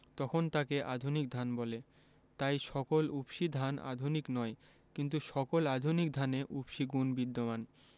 তখন তাকে আধুনিক ধান বলে তাই সকল উফশী ধান আধুনিক নয় কিন্তু সকল আধুনিক ধানে উফশী গুণ বিদ্যমান